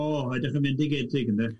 O, oedden yn fendigedig ynde?